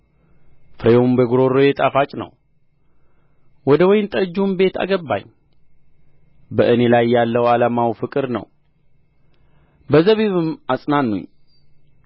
ፍሬውም በጕሮሮዬ ጣፋጭ ነው ወደ ወይን ጠጁም ቤት አገባኝ በእኔ ላይ ያለው ዓላማውም ፍቅር ነው በዘቢብም አጽናኑኝ